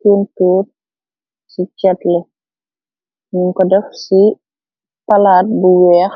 tinpot ci cetle nuñ ko def ci palaat bu weex.